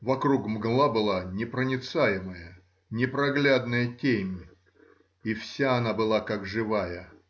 вокруг мгла была непроницаемая, непроглядная темь — и вся она была как живая